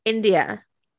India?